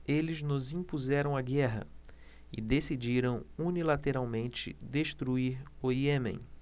eles nos impuseram a guerra e decidiram unilateralmente destruir o iêmen